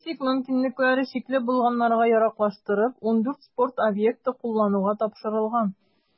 Физик мөмкинлекләре чикле булганнарга яраклаштырып, 14 спорт объекты куллануга тапшырылган.